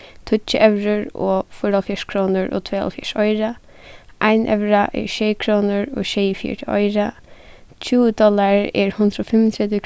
tíggju evrur og fýraoghálvfjerðs krónur og tveyoghálvfjerðs oyru ein evra er sjey krónur og sjeyogfjøruti oyru tjúgu dollarar eru hundrað og fimmogtretivu